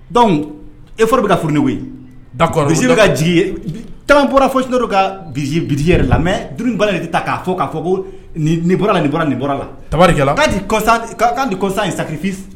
Dɔnku e fɔra bɛ ka fwo ka jigi caman bɔra fosi ka bi yɛrɛ la mɛ duba de tɛ ta k'a fɔ' fɔ bɔrala nin bɔra nin bɔra la ta kɔsa in sa